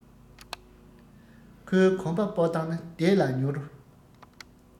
ཁོའི གོམ པ སྤོ སྟངས ནི བདེ ལ མྱུར